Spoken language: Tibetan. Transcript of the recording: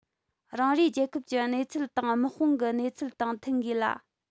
རང རེའི རྒྱལ ཁབ ཀྱི གནས ཚུལ དང དམག དཔུང གི གནས ཚུལ དང མཐུན དགོས ལ